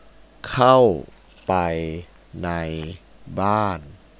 เข้าไปในบ้าน